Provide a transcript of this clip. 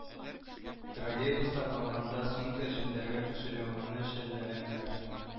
Троллейбуста барганда сумка эчендәге кошелегымны чәлләгәннәр